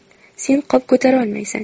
sen qop ko'tarolmaysan